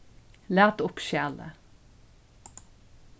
lat upp skjalið